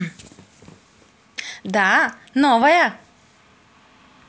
да новая